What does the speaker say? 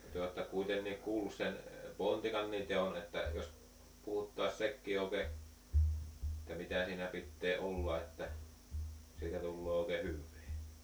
te olette kuitenkin kuullut sen pontikankin teon että jos puhuttaisiin sekin oikein että mitä siinä pitää olla että siitä tulee oikein hyvää